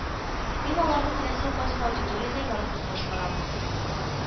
Мин аларны теләсә кайсы аудиториядә яратып башкарам